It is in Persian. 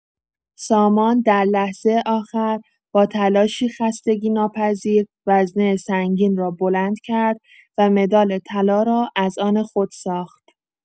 سامان در لحظه آخر، با تلاشی خستگی‌ناپذیر وزنه سنگین را بلند کرد و مدال طلا را از آن خود ساخت.